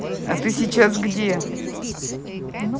а ты сейчас где